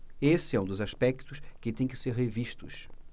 esse é um dos aspectos que têm que ser revistos